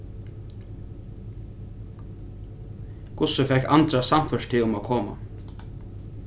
hvussu fekk andras sannført teg um at koma